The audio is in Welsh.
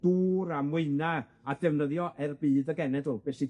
Dwr a mwyna a defnyddio er budd y genedl, be sy